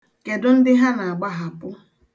Kedụ ndị ha na-agbahapụ?